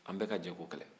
an bɛɛ ka jɛ ko kɛlɛ